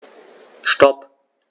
Stop.